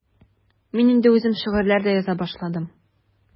Мин инде үзем шигырьләр дә яза башладым.